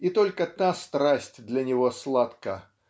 и только та страсть для него сладка